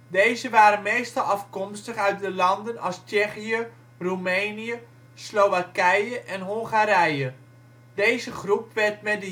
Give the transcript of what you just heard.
Deze waren meestal afkomstig uit de landen als Tsjechië, Roemenië, Slowakije en Hongarije. Deze groep werd met